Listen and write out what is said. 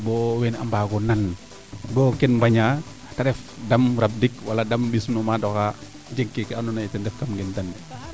bo wene a mbbago nan bo kenu mbaña te ref dam rabdik wala dam mbis no maadoxa jeg kee no ke ando naye ten ref dam kam ngentan ne